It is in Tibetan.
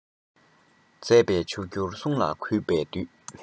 མཛད པའི མཆོག གྱུར གསུང ལ གུས པས འདུད